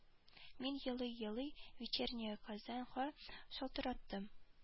Мин елый-елый вечерняя казань га шалтыраттым